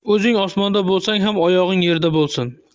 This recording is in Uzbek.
o'zing osmonda bo'lsang ham oyog'ing yerda bo'lsin